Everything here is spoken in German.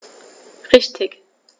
Richtig